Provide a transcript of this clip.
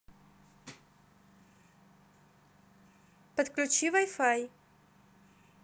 подключи вай фай